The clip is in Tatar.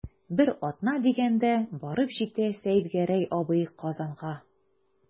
Бер атна дигәндә барып җитә Сәетгәрәй абый Казанга.